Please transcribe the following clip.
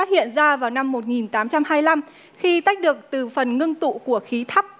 phát hiện ra vào năm một nghìn tám trăm hai lăm khi tách được từ phần ngưng tụ của khí thắp